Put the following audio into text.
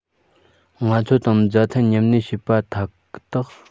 ང ཚོ དང མཛའ མཐུན མཉམ གནས བྱེད པ ཐ དག